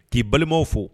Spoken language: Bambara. K'i balimaw fo